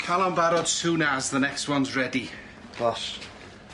Cal o'n barod soon as the next one's ready. Boss.